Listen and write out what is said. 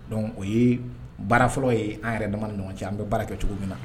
Dɔn o ye baarafɔlɔ ye an yɛrɛ dama ni ɲɔgɔn cɛ an bɛ baara kɛ cogo min na